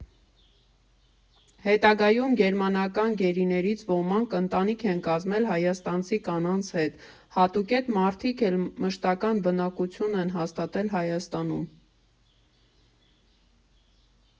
Հետագայում գերմանական գերիներից ոմանք ընտանիք են կազմել հայաստանցի կանանց հետ, հատուկենտ մարդիկ էլ մշտական բնակություն են հաստատել Հայաստանում։